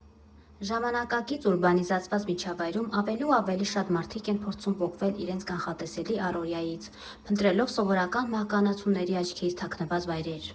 Ժամանակակից ուրբանիզացված միջավայրում ավելի ու ավելի շատ մարդիկ են փորձում պոկվել իրենց կանխատեսելի առօրյայից՝ փնտրելով սովորական մահկանացուների աչքերից թաքնված վայրեր։